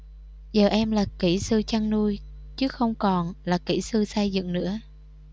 giờ em là kỹ sư chăn nuôi chứ không còn là kỹ sư xây dựng nữa